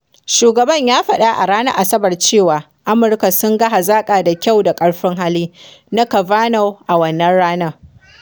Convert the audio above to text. Shugaban ya faɗa a ranar Asabar cewa “Amurkawa sun ga hazaƙa da kyau da ƙarfin hali” na Kavanaugh wannan ranar.